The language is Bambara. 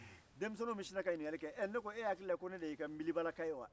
denmisɛninw bɛ sin ka ɲininkali kɛ ɛ ne ko e hakilila ko ne de y'i ka n'bilibala ka ye wa